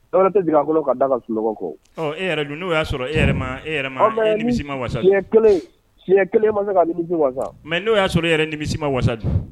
E yɛrɛ tɛ jigin akolo ka da ka tulo ko e yɛrɛ don n'o y'a sɔrɔ e yɛrɛ ma e yɛrɛ ni ma wa si kelen ma semi wa mɛ n'o y'a sɔrɔ yɛrɛ nimi ma wasa di